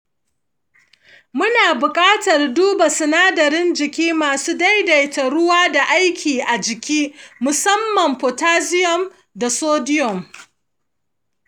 muna buƙatar duba sinadaran jiki masu daidaita ruwa da aiki a jiki musamman potassium da sodium.